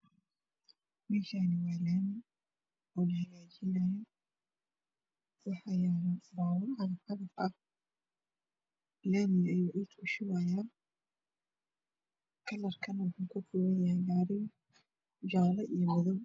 Meshan waa lami oo lahagjinayo waxaa yalo balo cafcaf lami ayay dhulka kusuban kalar waxow kakoban yahay marun iyo jale iyo madow